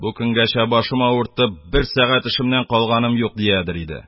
Бу көнгәчә башым авырып, бер сәгать эшемнән калганым юк",-дидер иде.